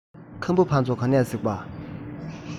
ཁམ བུ ཕ ཚོ ག ནས གཟིགས པ